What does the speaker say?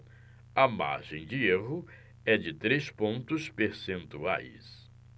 a margem de erro é de três pontos percentuais